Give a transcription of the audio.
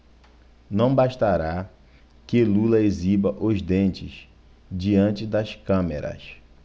não bastará que lula exiba os dentes diante das câmeras